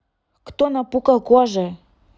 кто напукал кожи